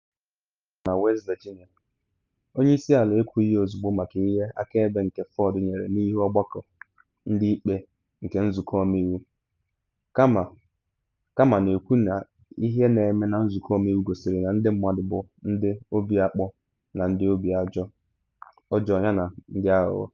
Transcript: Ikwu okwu na mgbakọ emere na West Virginia, onye isi ala ekwughi ozugbo maka ihe akaebe nke Ford nyere n’ihu Ọgbakọ Ndị Ikpe nke Nzụkọ Ọmeiwu, kama na ekwu na ihe na eme na Nzụkọ Ọmeiwu gosiri na ndị mmadụ bụ ndị “obi akpọ na obi ọjọọ yana ndị aghụghọ.”